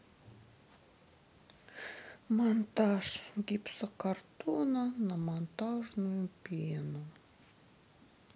монтаж гипсокартона на монтажную пену